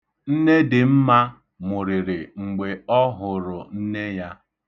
Nnedịmma mụrịrị mgbe ọ hụrụ nne ya.